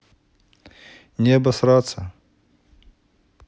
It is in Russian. не обосраться